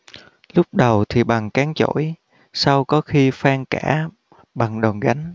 lúc đầu thì bằng cán chổi sau có khi phang cả bằng đòn gánh